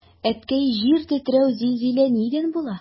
Әткәй, җир тетрәү, зилзилә нидән була?